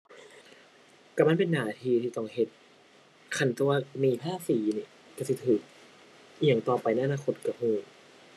ก็มันเป็นหน้าที่ที่ต้องเฮ็ด คันแต่ว่าหนีภาษีหนิ ก็สิก็อิหยังต่อไปในอนาคตก็ก็